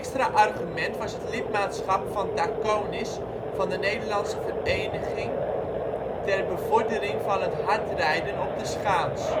argument was het lidmaatschap van Taconis van de Nederlandse Vereniging ter Bevordering van het Hardrijden op de Schaats